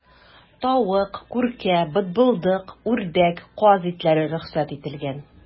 Тавык, күркә, бытбылдык, үрдәк, каз итләре рөхсәт ителгән.